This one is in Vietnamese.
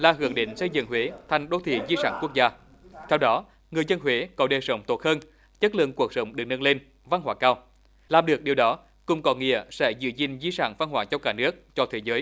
là hướng đến xây dựng huế thành đô thị di sản quốc gia theo đó người dân huế có đời sống tốt hơn chất lượng cuộc sống được nâng lên văn hóa cao làm được điều đó cũng có nghĩa sẽ giữ gìn di sản văn hóa cho cả nước cho thế giới